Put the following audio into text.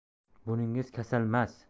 buningiz kasalmas